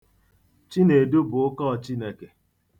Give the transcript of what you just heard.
Chinedu bụ ụkọ Chineke.